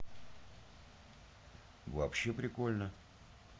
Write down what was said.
вообще прикольно